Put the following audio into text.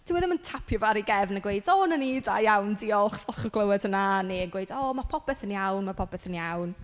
Dyw e ddim yn tapio fe ar ei gefn a gweud "O 'na ni, da iawn, diolch, falch o glywed hynna." Neu gweud "O, ma' popeth yn iawn, ma' popeth yn iawn."